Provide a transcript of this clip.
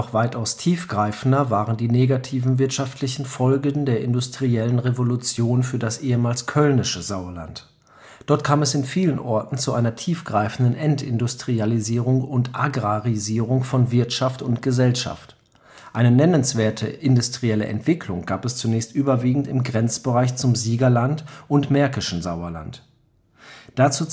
weitaus tiefgreifender waren die negativen wirtschaftlichen Folgen der industriellen Revolution für das ehemals kölnische Sauerland. Dort kam es in vielen Orten zu einer tiefgreifenden Entindustrialisierung und Agrarisierung von Wirtschaft und Gesellschaft. Eine nennenswerte industrielle Entwicklung gab es zunächst überwiegend im Grenzbereich zum Siegerland und märkischen Sauerland. Dazu